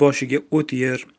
boshiga o't yer